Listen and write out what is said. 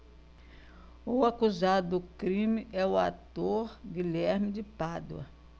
o acusado do crime é o ator guilherme de pádua